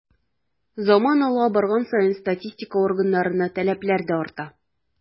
Заман алга барган саен статистика органнарына таләпләр дә арта.